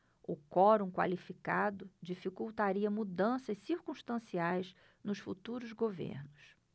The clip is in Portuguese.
o quorum qualificado dificultaria mudanças circunstanciais nos futuros governos